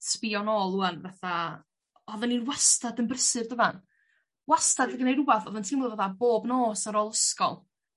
sbio nôl rwan fatha odden ni wastad yn brysur dydan? Wastad yn gneud rwbath odd yn timlo fatha bob nos ar ôl ysgol.